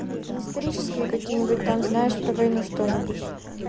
не исторические какие нибудь там знаешь про войну что нибудь